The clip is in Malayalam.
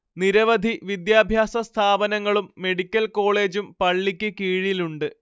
നിരവധി വിദ്യാഭ്യാസ സ്ഥാപനങ്ങളും മെഡിക്കൽ കോളേജും പള്ളിക്ക് കീഴിലുണ്ട്